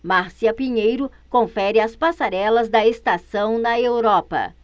márcia pinheiro confere as passarelas da estação na europa